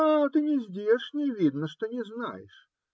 - А ты не здешний, видно, что не знаешь?